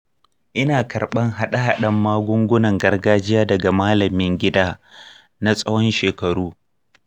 ina karɓar haɗe-haɗen magungunan gargajiya daga malamin gida na tsawon shekaru